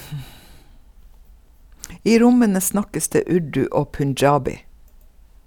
I rommene snakkes det urdu og punjabi.